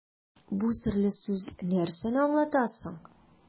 Бу серле сүз нәрсәне аңлата соң?